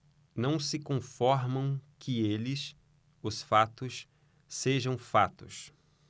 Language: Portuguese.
não se conformam que eles os fatos sejam fatos